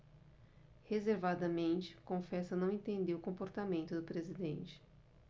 reservadamente confessa não entender o comportamento do presidente